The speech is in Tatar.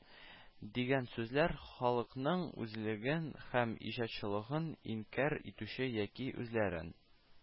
Дигән сүзләр халыкның үзлеген һәм иҗатчылыгын инкяр итүче яки үзләрен